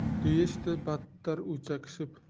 deyishdi battar o'chakishib